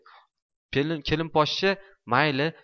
kelinposhsha mayli